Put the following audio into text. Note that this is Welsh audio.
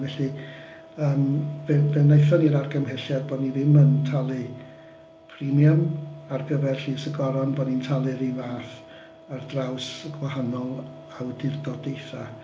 Felly yym fe fe wnaethon ni'r argymhelliad bod ni ddim yn talu premium ar gyfer llys y goron, bod ni'n talu yr un fath ar draws y gwahanol awdurdodaethau.